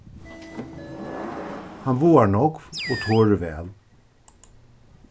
hann vágar nógv og torir væl